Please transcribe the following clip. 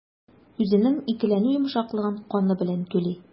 Үзенең икеләнү йомшаклыгын каны белән түли.